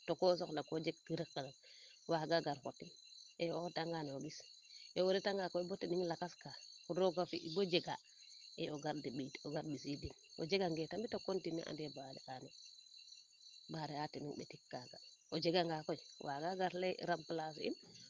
to ko soxla ko jeg rek rek waaga gar xot e o xota ngaan o ɓis o reta nga koy bo tening lakas kaa rooga fi bo jega e o gar dembiind ɓisiidin o jega nge koy o continuer debaane barrer a tening mbetik kaaga o jega mnga koy waaga gar leye remplacer in